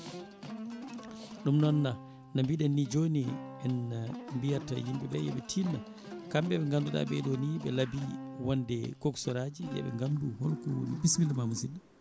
ɗum noon no mbiɗen ni joni en mbiyat yimɓeɓe yooɓe tinno kamɓe ɓe ganduɗa ɓe laabi wonde coxeur aji yooɓe gandu bisimillama musidɗo